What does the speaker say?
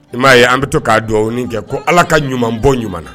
Nin m'a ye an bɛ to k'a dugawu kɛ ko ala ka ɲuman bɔ ɲuman na